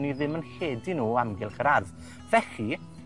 ni ddim yn lledu nw o amgylch yr ardd. Felly,